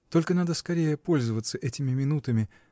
Только надо скорее пользоваться этими минутами.